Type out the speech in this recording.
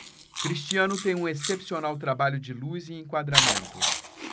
cristiano tem um excepcional trabalho de luz e enquadramento